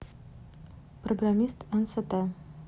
программа нст